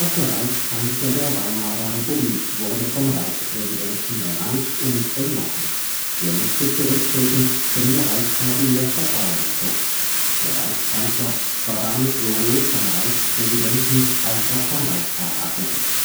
der Reichskanzler der Weimarer Republik wurde vom Reichspräsidenten ernannt und entlassen. Er musste zurücktreten, wenn der Reichstag ihm das Vertrauen entzog. Der Reichskanzler war damit sowohl vom Reichspräsidenten als auch vom Reichstag abhängig